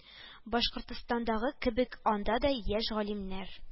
Башкортстандагы кебек, анда да яшь галимнәр